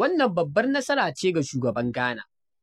Wannan babbar nasara ce ga shugaban Ghana